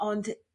ond